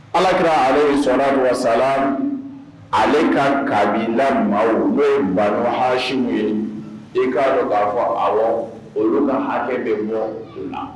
Ala kɛra ale sɔnna wasa ale ka ka la maa olu ye ba hasiww ye i kaa dɔ b'a fɔ a olu ka hakɛ bɛ bɔ la